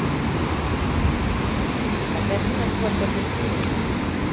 покажи насколько ты крут